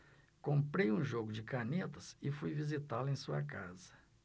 comprei um jogo de canetas e fui visitá-lo em sua casa